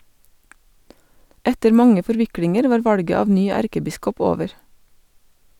Etter mange forviklinger var valget av ny erkebiskop over.